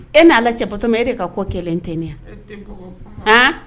E n'aala cɛtotɔma e de ka kɔ kɛlɛ tɛɛnɛnya